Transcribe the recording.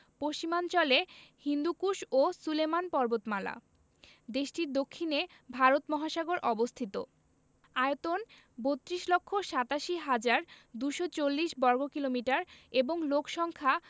পশ্চিমাঞ্চলে হিন্দুকুশ ও সুলেমান পর্বতমালা দেশটির দক্ষিণে ভারত মহাসাগর অবস্থিত আয়তন ৩২ লক্ষ ৮৭ হাজার ২৪০ বর্গ কিমি এবং লোক সংখ্যা